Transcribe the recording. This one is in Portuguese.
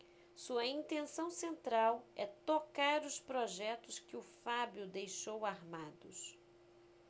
sua intenção central é tocar os projetos que o fábio deixou armados